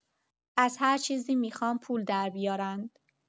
از هر چیزی می‌خوان پول دربیارند.